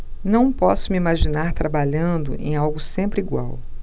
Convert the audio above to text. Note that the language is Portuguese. não posso me imaginar trabalhando em algo sempre igual